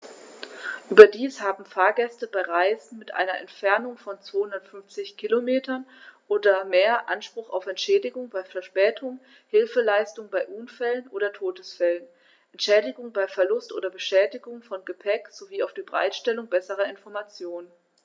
Überdies haben Fahrgäste bei Reisen mit einer Entfernung von 250 km oder mehr Anspruch auf Entschädigung bei Verspätungen, Hilfeleistung bei Unfällen oder Todesfällen, Entschädigung bei Verlust oder Beschädigung von Gepäck, sowie auf die Bereitstellung besserer Informationen.